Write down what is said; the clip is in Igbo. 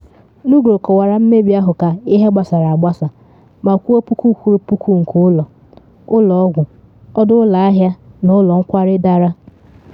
Nugroho kọwara mmebi ahụ ka “ihe gbasara agbasa” ma kwuo puku kwụrụ puku nke ụlọ, ụlọ ọgwụ, ọdụ ụlọ ahịa na ụlọ nkwari dara.